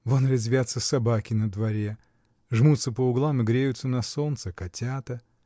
Вон резвятся собаки на дворе, жмутся по углам и греются на солнце котята